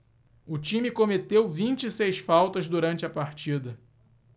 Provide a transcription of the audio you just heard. o time cometeu vinte e seis faltas durante a partida